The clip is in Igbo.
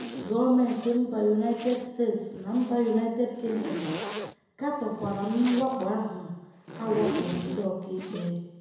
Gọọmentị mba United States na mba United Kingdom katọkwara mwakpo ahụ a wakporo ndị ọkaikpe.